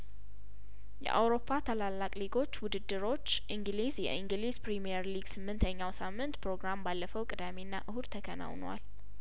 የአውሮፓ ታላላቅ ሊጐች ውድድሮች እንግሊዝ የእንግሊዝ ፕሪምየር ሊግ ስምንተኛው ሳምንት ፕሮግራም ባለፈው ቅዳሜና እሁድ ተከናውኗል